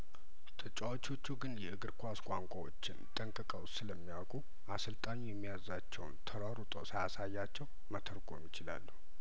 ተጫዋቾቹ ግን የእግር ኳስ ቋንቋዎችን ጠንቅቀው ስለሚ ያውቁ አሰልጣኙ የሚያዛቸውን ተሯሩጦ ሳያሳያቸው መተርጐም ይችላሉ